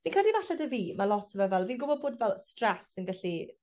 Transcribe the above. fi credu falle 'dy fi ma' lot o fe fel fi'n gwbo bod fel stress yn gallu